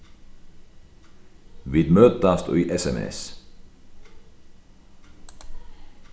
vit møtast í sms